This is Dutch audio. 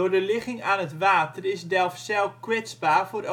de ligging aan het water is Delfzijl kwetsbaar voor